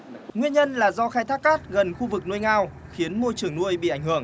nguyên nhân là do khai thác cát gần khu vực nuôi ngao khiến môi trường nuôi bị ảnh hưởng